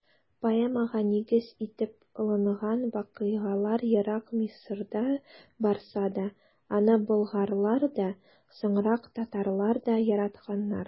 Поэмага нигез итеп алынган вакыйгалар ерак Мисырда барса да, аны болгарлар да, соңрак татарлар да яратканнар.